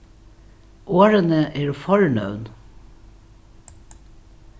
orðini eru fornøvn